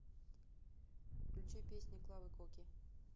включи песни клавы коки